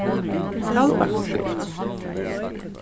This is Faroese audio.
kaldbaks skúli